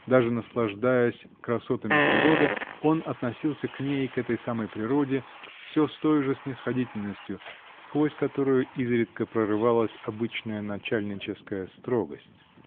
даже наслаждаясь красотами природы, он относился к ней, к этой самой природе, все с тою же снисходительностью, сквозь которую изредка прорывалась обычная начальническая строгость.